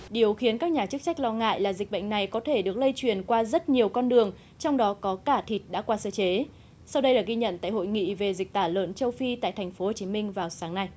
điều khiến các nhà chức trách lo ngại là dịch bệnh này có thể được lây truyền qua rất nhiều con đường trong đó có cả thịt đã qua sơ chế sau đây là ghi nhận tại hội nghị về dịch tả lợn châu phi tại thành phố hồ chí minh vào sáng nay